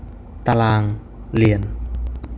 ตารางเรียน